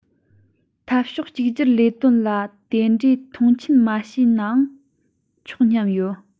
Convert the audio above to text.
འཐབ ཕྱོགས གཅིག གྱུར ལས དོན ལ དེ འདྲས མཐོང ཆེན མ བྱས ནའང ཆོག སྙམ ཡོད